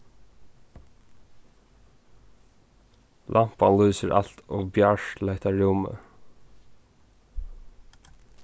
lampan lýsir alt ov bjart til hetta rúmið